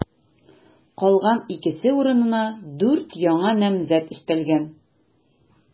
Калган икесе урынына дүрт яңа намзәт өстәлгән.